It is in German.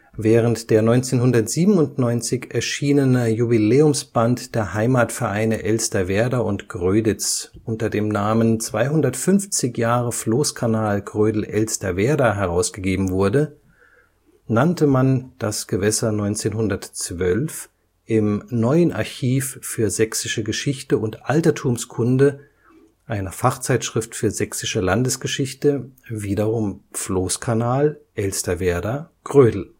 Während der 1997 erschienene Jubiläumsband der Heimatvereine Elsterwerda und Gröditz unter dem Namen 250 Jahre Floßkanal Grödel-Elsterwerda herausgegeben wurde, nannte man das Gewässer 1912 im Neuen Archiv für sächsische Geschichte und Altertumskunde, einer Fachzeitschrift für sächsische Landesgeschichte, wiederum Floßkanal Elsterwerda – Grödel